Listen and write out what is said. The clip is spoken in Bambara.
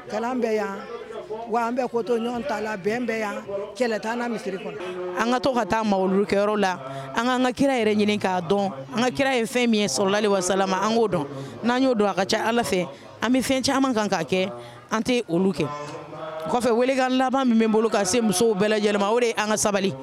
Kalan bɛ yan wa an bɛɛ kotɔɔn ta la bɛn bɛ yan kɛlɛ tan n siri kɔnɔ an ka to ka taa olu kɛyɔrɔ la an an ka kira yɛrɛ ɲini k'a dɔn an ka kira ye fɛn min ye sɔrɔlali wa sala an k'o dɔn n'an y'o don a ka ca ala fɛ an bɛ fɛn caman kan ka kɛ an tɛ olu kɛ kɔfɛ wele ka laban min bɛ bolo' se musow bɛɛ yɛlɛma o de ye an ka sabali